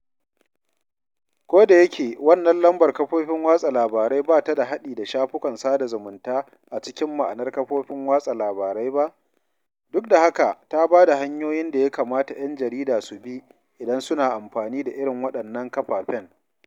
Ko da yake wannan lambar kafofin watsa labarai ba ta da haɗi da shafukan sada zumunta a cikin ma'anar kafofin watsa labarai ba, duk da haka ta ba da hanyoyin da ya kamata 'yan jarida su bi idan suna amfani da irin waɗannan kafafen.